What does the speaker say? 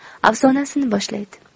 afsonasini boshlaydi